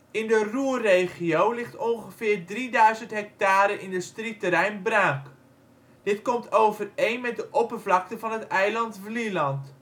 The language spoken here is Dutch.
In de Ruhrregio ligt ongeveer 3000 ha industrieterrein braak. Dit komt overeen met de oppervlakte van het eiland Vlieland